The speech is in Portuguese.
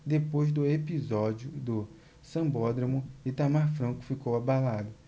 depois do episódio do sambódromo itamar franco ficou abalado